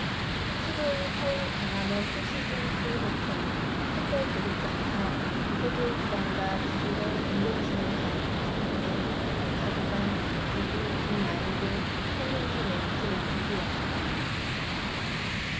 십 오 일 서울 광화문 포시즌스호텔 특별대국장에서 이세돌 구 단과 구글의 인공지능 바둑 프로그램 알파고 간 구글 딥마인드 챌린지 매치 오 국이 열렸다